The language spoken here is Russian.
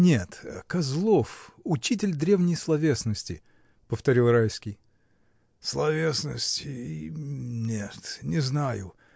— Нет, Козлов, учитель древней словесности, — повторил Райский. — Словесности. нет, не знаю.